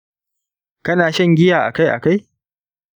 kana shan giya akai-akai?